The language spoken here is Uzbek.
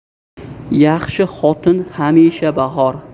yaxshi xotin hamisha bahor